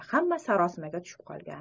hamma sarosimaga tushib qolgan